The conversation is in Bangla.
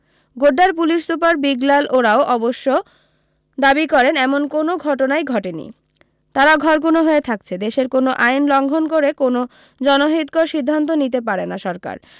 গোড্ডার পুলিশ সুপার বিগলাল ওরাওঁ অবশ্য দাবি করেন এমন কোনও ঘটনাই ঘটেনি তারা ঘরকূনো হয়ে থাকছে দেশের কোনও আইন লঙ্ঘন করে কোনও জনহিতকর সিদ্ধান্ত নিতে পারে না সরকার